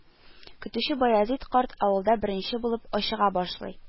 Көтүче Баязит карт авылда беренче булып ачыга башлый